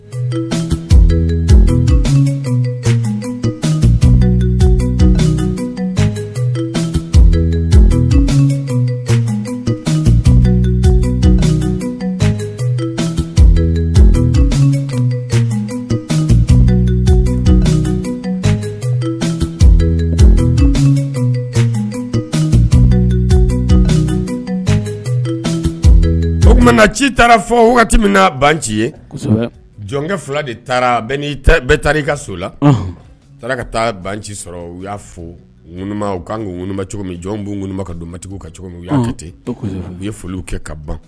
O na ci taara fɔ wagati min na ban ci ye jɔnkɛ fila de taara n'i taa i ka so la taara ka taa ban ci sɔrɔ u y'a fɔ kan ŋ cogo min jɔn' ŋ ka donbatigiw ka cogo u y'a kɛ ten u ye foliw kɛ ka ban